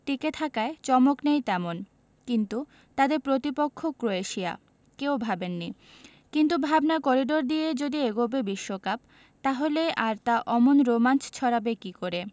টিকে থাকায় চমক নেই তেমন কিন্তু তাদের প্রতিপক্ষ ক্রোয়েশিয়া কেউ ভাবেননি কিন্তু ভাবনার করিডর দিয়েই যদি এগোবে বিশ্বকাপ তাহলে আর তা অমন রোমাঞ্চ ছড়াবে কী করে